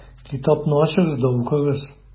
Китапны ачыгыз да укыгыз: